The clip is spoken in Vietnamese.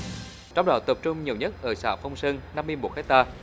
trong đó tập trung nhiều nhất ở xã phong sơn năm mươi mốt héc ta